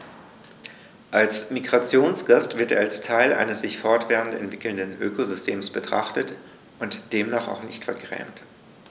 Als Migrationsgast wird er als Teil eines sich fortwährend entwickelnden Ökosystems betrachtet und demnach auch nicht vergrämt.